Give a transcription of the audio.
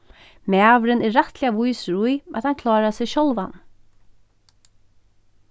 maðurin er rættiliga vísur í at hann klárar seg sjálvan